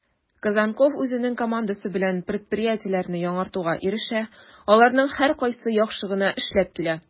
Козонков үзенең командасы белән предприятиеләрне яңартуга ирешә, аларның һәркайсы яхшы гына эшләп килә: